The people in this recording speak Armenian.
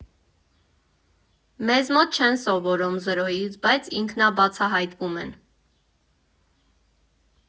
Մեզ մոտ չեն սովորում զրոյից, բայց ինքնաբացահայտվում են։